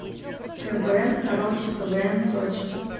квн короче квн сочи